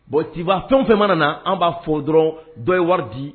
Bontiba fɛn fɛn mana na an b'a fɔ dɔrɔn dɔ ye wari di